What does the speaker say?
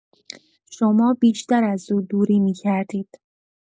شما بیشتر از او دوری می‌کردید.